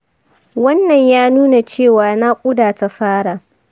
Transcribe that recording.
wannan ya na nuna cewa naƙuda ta fara